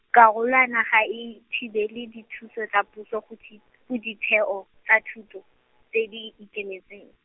karolwana ga e, thibele dithuso tsa puso go di-, go ditheo, tsa thuto, tse di ikemetseng.